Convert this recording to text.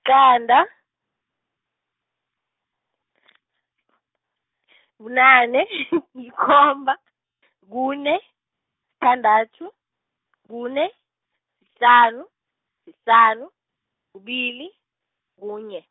qanda, bunane yikomba, kune, sithandathu, kune, lisihlanu, lisihlanu, kubili, kunye.